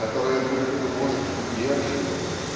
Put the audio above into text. которая будто бы может "удерживать"